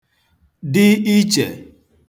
dị ichè